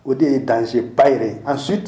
O de ye danger ba yɛrɛ ye. en suite